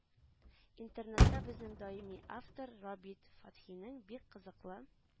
Интернетта безнең даими автор Рабит Фәтхинең бик кызыклы